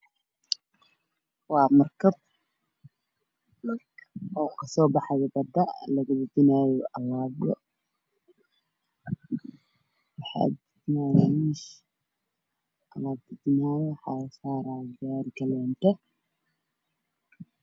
Waa markab kasoo baxaayo bada laga dajinaayo alaab